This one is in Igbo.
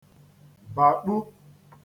bàkpu